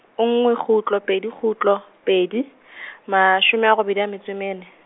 nngwe kgutlo pedi kgutlo, pedi , mashome a robedi a metso e mene.